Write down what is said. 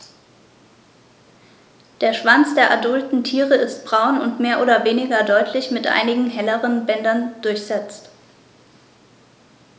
Der Schwanz der adulten Tiere ist braun und mehr oder weniger deutlich mit einigen helleren Bändern durchsetzt.